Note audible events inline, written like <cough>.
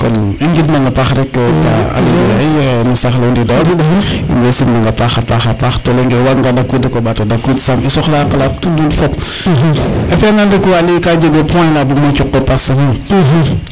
i ngid manga a paax rek Pa Aliou Ndiaye o saaxle Ndindor in way sim nang a paax a paxa paax to leynge o waga nga dak wiid rek o ɓato dakwiid yam i soxla a a qalat nuun fop afia ngan rek Waly ka jeg o point la buguma cuq <unintelligible>